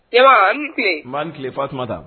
Ayiwa maa tile tasumatuma da